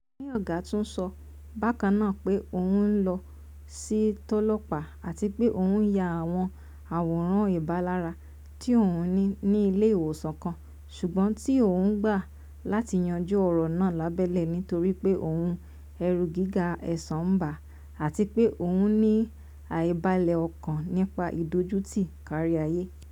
Mayorga tún sọ bákan náà pé òun lọ sí t’ọlọ́pàá àtipé òun yà àwọn àwòrán ìpalára tí òun ní ní ìlé ìwòsàn kan, ṣùgbọ́n tí òwun gbà láti yanjú ọ̀rọ̀ náà lábẹ́lé nítorípé òwn “ẹ̀rù gbíga ẹ̀sàn bà á” àtí pé òun ní àibàlẹ̀ ọkàn nípa “ìdójútì káríáyé”